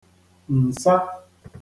ǹsa